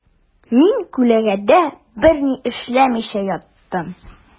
Мин күләгәдә берни эшләмичә яттым.